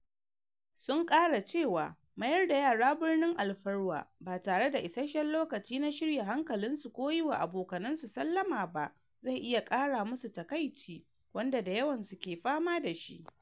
Sun kara cewa mayar da yara birnin alfarwa ba tare da issashen lokaci na shirya hankalin su ko yi wa abokanansu sallama ba, zai iya ƙara musu takaici wanda da yawan su ke fama da shi.